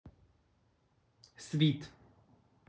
свит